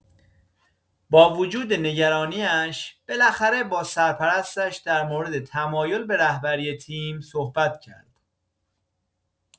با وجود نگرانی‌اش، بالاخره با سرپرستش درباره تمایل به رهبری تیم صحبت کرد.